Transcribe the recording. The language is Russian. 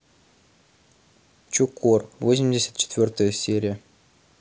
чукор восемьдесят четвертая серия